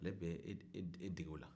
ale bɛ e dege o la